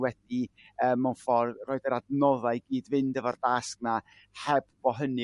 wedi yym mewn ffor' roid yr adnodda' i gyd-fynd efo'r dasg 'na heb bo' hynny